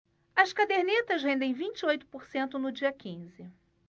as cadernetas rendem vinte e oito por cento no dia quinze